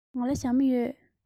ང ལ ཞྭ མོ ཡོད